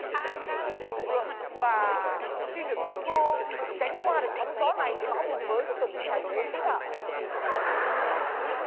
an khang thịnh vượng và xin được chúc cô tránh qua được sóng gió này thì bão bùng mới nó chuẩn bị xảy đến đấy ạ